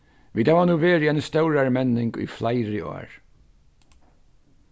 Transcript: vit hava nú verið í eini stórari menning í fleiri ár